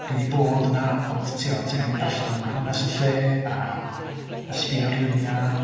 Dwi 'di bod yna, ond tibod ti angen... ia. ...darllen am hanes y lle a a sbio ar luniau.